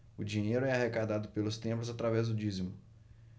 o dinheiro é arrecadado pelos templos através do dízimo